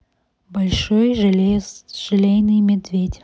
большой желейный медведь